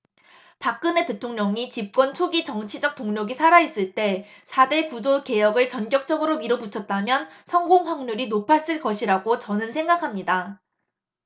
박근혜 대통령이 집권 초기 정치적 동력이 살아 있을 때 사 대 구조 개혁을 전격적으로 밀어붙였다면 성공 확률이 높았을 것이라고 저는 생각합니다